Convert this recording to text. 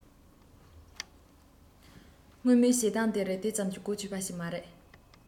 སྔོན མའི བྱེད སྟངས དེ རིགས དེ ཙམ གྱིས གོ ཆོད པ ཞིག མ རེད